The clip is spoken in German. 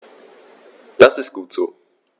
Das ist gut so.